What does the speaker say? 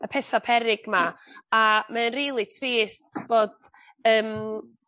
y petha peryg 'ma a mae o'n rili trist bod yym